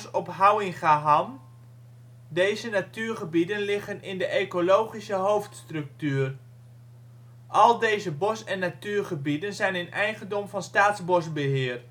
op Houwingaham. Deze natuurgebieden liggen in de ecologische hoofdstructuur. Al deze bos - en natuurgebieden zijn in eigendom van Staatsbosbeheer